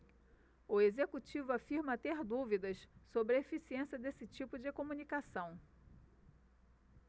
o executivo afirma ter dúvidas sobre a eficiência desse tipo de comunicação